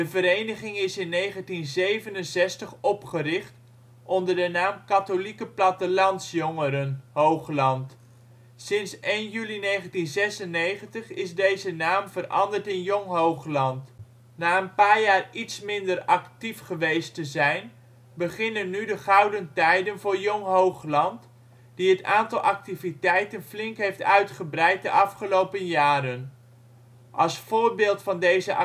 vereniging is in 1967 opgericht onder de naam Katholieke Plattelands Jongeren (K.P.J.) Hoogland. Sinds 1 juli 1996 is deze naam veranderd in Jong Hoogland. Na een paar jaar iets minder actief geweest te zijn beginnen nu de gouden tijden voor Jong Hoogland, die het aantal activiteiten flink heeft uitgebreid de afgelopen jaren. Als voorbeeld van deze